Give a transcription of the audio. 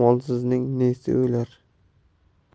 molsizning nesi o'lar